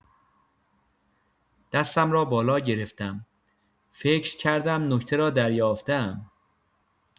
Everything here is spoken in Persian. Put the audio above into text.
دستم را بالا گرفتم، فکر کردم نکته را دریافته‌ام.